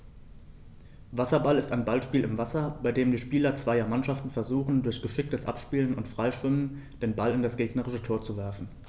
Wasserball ist ein Ballspiel im Wasser, bei dem die Spieler zweier Mannschaften versuchen, durch geschicktes Abspielen und Freischwimmen den Ball in das gegnerische Tor zu werfen.